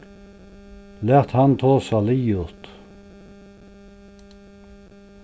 lat hann tosa liðugt